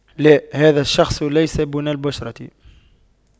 لاء هذا الشخص ليس بني البشرة